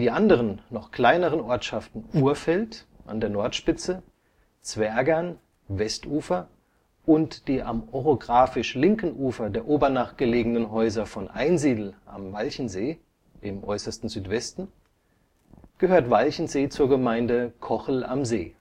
anderen noch kleineren Ortschaften Urfeld (an der Nordspitze), Zwergern (Westufer) und die am orographisch linken Ufer der Obernach gelegenen Häuser von Einsiedl am Walchensee (im äußersten Südwesten) gehört Walchensee zur Gemeinde Kochel am See